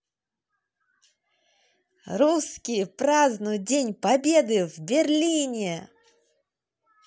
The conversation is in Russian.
русские празднуют день победы в берлине